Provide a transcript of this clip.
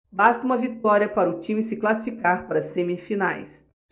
basta uma vitória para o time se classificar para as semifinais